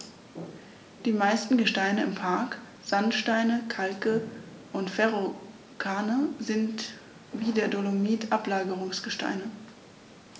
Die meisten Gesteine im Park – Sandsteine, Kalke und Verrucano – sind wie der Dolomit Ablagerungsgesteine.